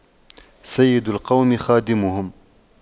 سيد القوم خادمهم